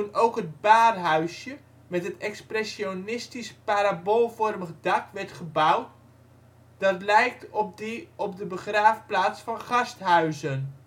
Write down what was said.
ook het baarhuisje met het expressionistisch paraboolvormige dak werd gebouwd, dat lijkt op die op de begraafplaats van Garsthuizen